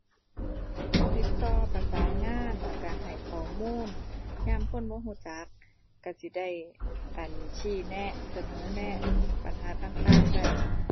ติดต่อประสานงานแล้วก็ให้ข้อมูล ยามคนบ่ก็จักก็สิได้ อั่น ชี้แนะ เสนอแนะ ปัญหาต่างต่างได้